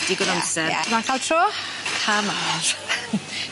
Digon o amser. Ti moyn ca'l tro? Come on.